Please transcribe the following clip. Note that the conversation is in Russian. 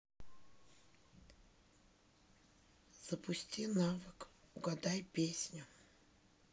запусти навык угадай песню